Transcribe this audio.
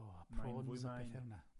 O, prawns a pethau yna.